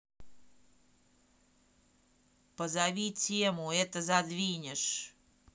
позови тему это задвинешь